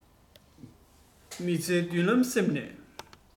མི ཚེའི མདུན ལམ གསེབ ནས